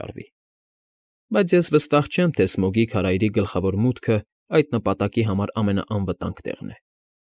Ճարվի։ Բայց ես վստահ չեմ, թե Սմոգի քարայրի գլխավոր մուտքը այդ նպատակի համար ամենաանվտանգ տեղն է։